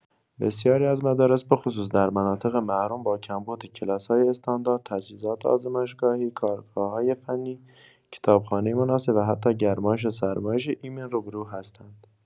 بسیاری از مدارس، به‌خصوص در مناطق محروم، با کمبود کلاس‌های استاندارد، تجهیزات آزمایشگاهی، کارگاه‌های فنی، کتابخانه مناسب و حتی گرمایش و سرمایش ایمن روبه‌رو هستند.